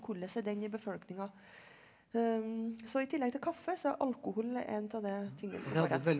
hvordan er den i befolkninga så i tillegg til kaffe så er alkohol en ut av det tingene som går igjen.